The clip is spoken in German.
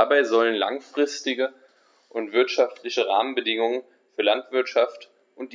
Dabei sollen langfristige und wirtschaftliche Rahmenbedingungen für Landwirtschaft und